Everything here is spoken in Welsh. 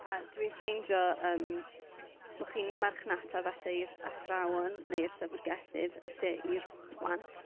A dwi'n ffeindio yym bo' chi'n marchnata i'r athrawon neu'r llyfyrgellydd yn lle i'r plant.